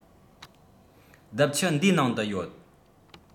རྡིབ ཆུ འདིའི ནང དུ ཡོད